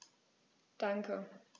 Danke.